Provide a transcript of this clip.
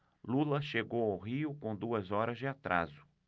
lula chegou ao rio com duas horas de atraso